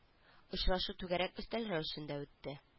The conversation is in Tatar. Очрашу түгәрәк өстәл рәвешендә үтте